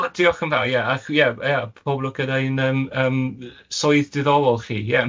O diolch yn fawr ie a ll- ie ie pob lwc gyda ain yym yym swydd diddofol chi ie.